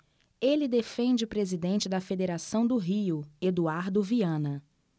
ele defende o presidente da federação do rio eduardo viana